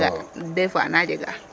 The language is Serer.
dés fois anaa jegaa